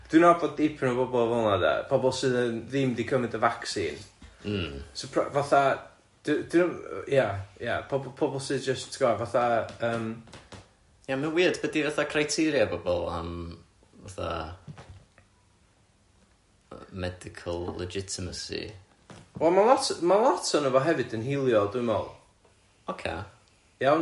Dwi'n meddwl bod dipyn o bobl fel'na de, pobol sydd yn ddim 'di cymryd y vaccine... M-hm ...so pro- fatha d- dwi'n meddwl yy ia ia pob- pobol sydd jyst ti'bod fatha yym... Ia ma'n weird be 'di fatha criteria bobol am fatha, medical legitimacy... Wel ma' lot ma' lot ohono fo hefyd yn hilliol dwi'n meddwl... Ocê ...iawn?